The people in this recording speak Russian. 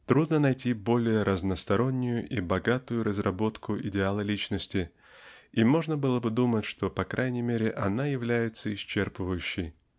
Трудно найти более разностороннюю и богатую разработку идеала личности и можно было бы думать что по крайней мере она является исчерпывающей.